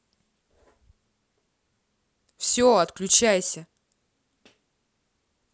все отключайся